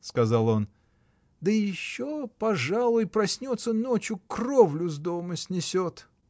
— сказал он, — да еще, пожалуй, проснется ночью, кровлю с дома снесет!